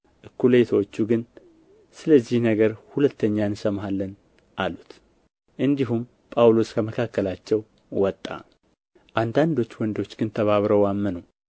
እኵሌቶቹ ግን ስለዚህ ነገር ሁለተኛ እንሰማሃለን አሉት እንዲሁም ጳውሎስ ከመካከላቸው ወጣ አንዳንዶች ወንዶች ግን ተባብረው አመኑ